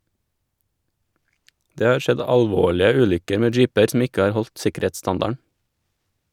Det har skjedd alvorlige ulykker med jeeper som ikke har holdt sikkerhetsstandarden.